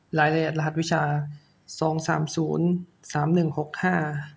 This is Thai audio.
รายละเอียดรหัสวิชาสองสามศูนย์สามหนึ่งหกห้า